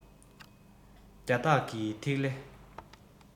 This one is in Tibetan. རྒྱ སྟག གི ཐིག ལེ